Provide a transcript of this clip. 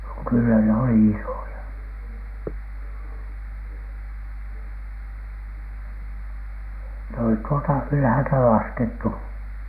kyllä ne oli isoja ne olivat tuolta ylhäältä laskettu